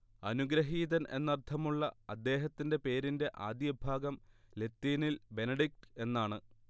അനുഗ്രഹീതൻ എന്നർത്ഥമുള്ള അദ്ദേഹത്തിന്റെ പേരിന്റെ ആദ്യഭാഗം ലത്തീനിൽ ബെനഡിക്ട് എന്നാണ്